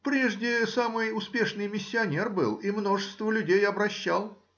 — Прежде самый успешный миссионер был и множество людей обращал.